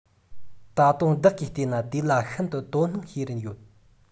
ད དུང བདག གིས བལྟས ན དེ ལ ཤིན ཏུ དོ སྣང བྱེད རིན ཡོད